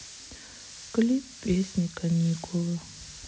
клип песни каникулы